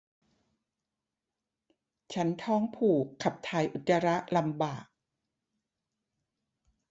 ฉันท้องผูกขับถ่ายอุจจาระลำบาก